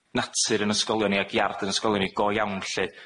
natur 'yn ysgolion ni, ag iard 'yn ysgolion ni go iawn lly.